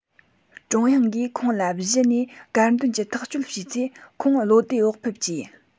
ཀྲུང དབྱང གིས ཁོང ལ གཞི ནས དཀར འདོན གྱི ཐག གཅོད བྱས ཚེ ཁོང བློ བདེ བག ཕེབས ཀྱིས